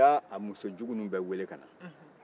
o y'a musojugu ninnu bɛɛ weele ka na